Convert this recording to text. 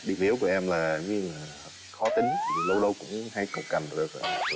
điểm yếu của em là khó tính lâu lâu cũng hay cọc cằn nữa